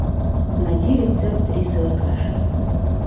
найди рецепт рисовой каши